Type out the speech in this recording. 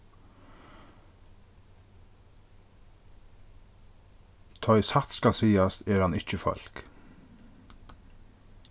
tá ið satt skal sigast er hann ikki fólk